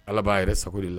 Ala b'a yɛrɛ sago de la